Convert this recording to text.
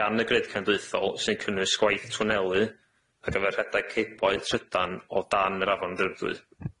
gan y Grid Cenedlaethol sy'n cynnwys gwaith twnelu ar gyfer rhedeg cebloedd trydan o dan yr afon Ddrydwy.